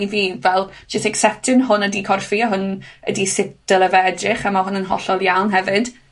i fi, fel jys accepting. Hwn ydi corff fi a hwn ydi sut dyle fe edrych a ma' hwn yn hollol iawn hefyd.